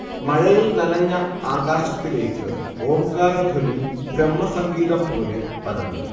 മഴയിൽ നനഞ്ഞ ആകാശത്തിലേക്ക് ഓംകാരധ്വനി ബ്രഹ്മസംഗീതം പോലെ പരന്നു